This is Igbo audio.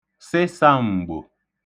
sịsām̀gbò